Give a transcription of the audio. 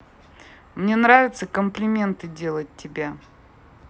мне нравится комплименты делать тебя